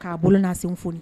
K'a bolo' sen fɔoni